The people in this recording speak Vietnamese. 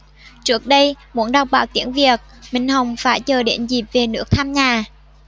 trước đây muốn đọc báo tiếng việt minh hồng phải chờ đến dịp về nước thăm nhà